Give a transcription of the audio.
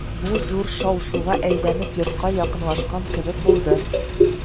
Бу зур шау-шуга әйләнеп йортка якынлашкан кебек булды